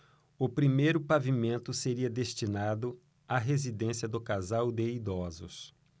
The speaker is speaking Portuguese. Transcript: o primeiro pavimento seria destinado à residência do casal de idosos